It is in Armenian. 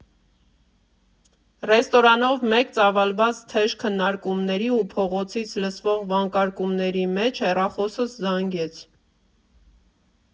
Ռեստորանով մեկ ծավալված թեժ քննարկումների ու փողոցից լսվող վանկարկումների մեջ հեռախոսս զանգեց.